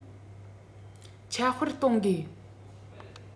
ཁྱབ སྤེལ གཏོང དགོས